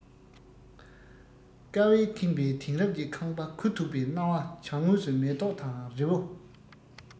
ཀ བས ཁེངས པས དེང རབས ཀྱི ཁང པ གུ དོག པའི སྣང བ གྱང ངོས སུ མེ ཏོག དང རི བོ